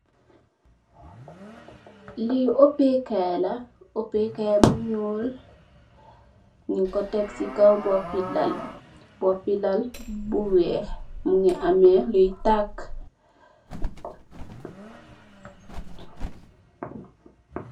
Li opèkaay la, opèkaay bu ñuul nung ko tekk ci kaw boppi lal, boppi lal bi weeh, mungi ameh li takk.